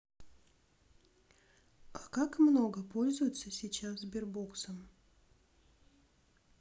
а как много пользуется сейчас сбербоксом